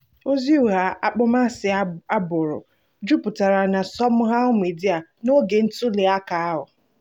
ozi ụgha akpọmasị agbụrụ juputara na soshal midịa n'oge ntuliaka ahụ.